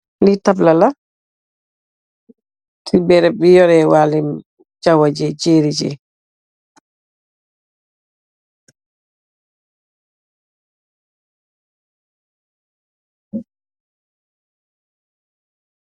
Li tapla la ci barab bi yorèh walim jawaji jeriji.